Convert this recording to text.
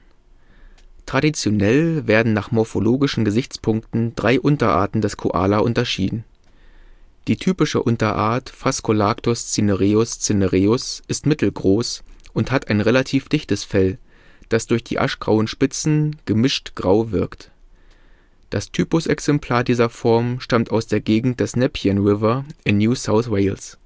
Traditionell werden nach morphologischen Gesichtspunkten drei Unterarten des Koala unterschieden. Die typische Unterart Phascolarctos cinereus cinereus ist mittelgroß und hat ein relativ dichtes Fell, das durch die aschgrauen Spitzen gemischt-grau wirkt. Das Typusexemplar dieser Form stammt aus der Gegend des Nepean River in New South Wales